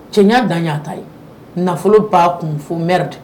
Cɛnya dan' ta ye nafolo b'a kun fo m ten